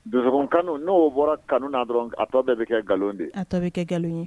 Donso kanu n'o bɔra kanua dɔrɔn a tɔ bɛɛ bɛ kɛ nkalon ye a tɔ bɛ kɛ nkalon ye